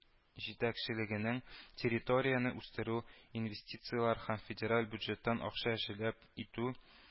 Җитәкчелегенең территорияне үстерү, инвестицияләр һәм федераль бюджеттан акча җәлеп итү